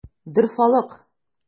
Дорфалык!